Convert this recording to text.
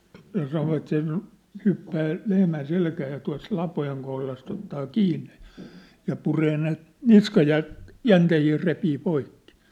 ja sanovat se hyppää lehmän selkään ja tuossa lapojen kohdasta ottaa kiinni ja ja puree ne - niskajänteitä repii poikki